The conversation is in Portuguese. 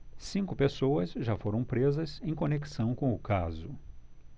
cinco pessoas já foram presas em conexão com o caso